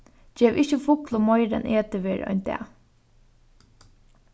gevið ikki fuglum meiri enn etið verður ein dag